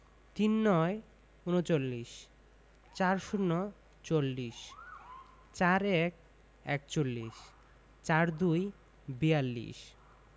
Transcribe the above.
৩৯ - ঊনচল্লিশ ৪০ - চল্লিশ ৪১ - একচল্লিশ ৪২ - বিয়াল্লিশ